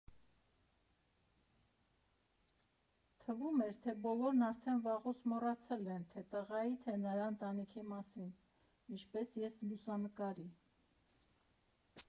Թվում էր, թե բոլորն արդեն վաղուց մոռացել են թե՛ տղայի, թե՛ նրա ընտանիքի մասին, ինչպես և լուսանկարի։